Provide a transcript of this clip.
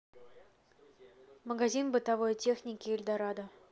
магазин бытовой техники эльдорадо